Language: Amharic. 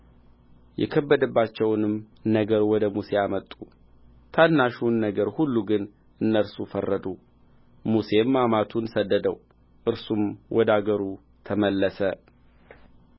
የከበደባቸውንም ነገር ወደ ሙሴ አመጡ ታናሹን ነገር ሁሉ ግን እነርሱ ፈረዱ ሙሴም አማቱን ሰደደው እርሱም ወደ አገሩ ተመለሰ